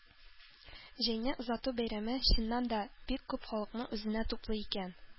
Җәйне озату бәйрәме, чыннан да, бик күп халыкны үзенә туплый икән.